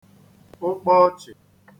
ụkpaọchị̀